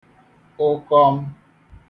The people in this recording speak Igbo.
ụkọm